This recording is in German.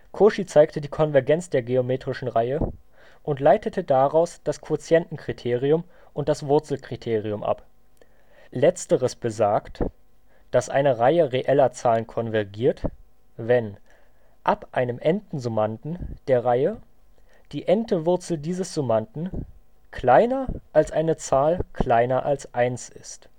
Cauchy zeigte die Konvergenz der geometrischen Reihe und leitete daraus das Quotientenkriterium und das Wurzelkriterium ab. Letzteres besagt, dass eine Reihe reeller Zahlen konvergiert, wenn ab einem n-ten Summanden der Reihe die n-te Wurzel dieses Summanden kleiner als eine Zahl kleiner als eins ist